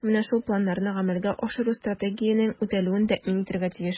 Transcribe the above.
Нәкъ менә шул планнарны гамәлгә ашыру Стратегиянең үтәлүен тәэмин итәргә тиеш.